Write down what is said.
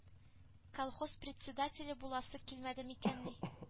Колхоз председәтеле буласы килмәде микәнни